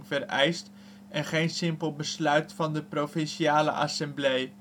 vereist en geen simpel besluit van de provinciale Assemblee